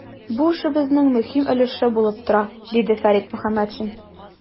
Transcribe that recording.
Бу эшебезнең мөһим өлеше булып тора, - диде Фәрит Мөхәммәтшин.